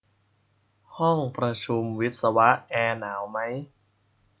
ห้องประชุมวิศวะแอร์หนาวมั้ย